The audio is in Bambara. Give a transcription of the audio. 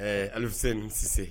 Ɛɛ alise nin sisanse